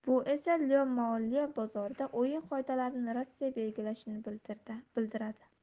bu esa yeoii moliya bozorida o'yin qoidalarini rossiya belgilashini bildiradi